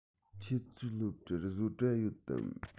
ཁྱོད ཚོའི སློབ གྲྭར བཟོ གྲྭ ཡོད དམ